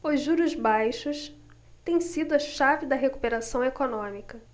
os juros baixos têm sido a chave da recuperação econômica